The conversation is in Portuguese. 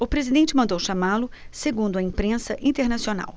o presidente mandou chamá-lo segundo a imprensa internacional